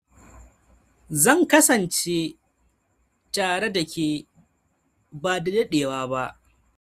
Zan kasance tare da ke ba da dadewa ba.